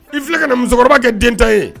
I filɛ ka na musokɔrɔba kɛ den ta ye !